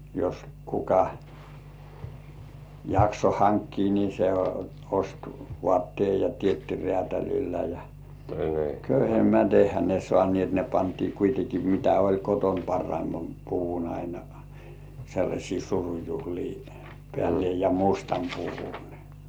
jos kuka jaksoi hankkia niin se osti vaatteen ja teetti räätälillä ja köyhemmät eihän ne saaneet ne pantiin kuitenkin mitä oli kotona parhaimman puvun aina sellaisiin surujuhliin päälle ja mustan puvun